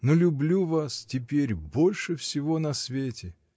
Но люблю вас теперь больше всего на свете!.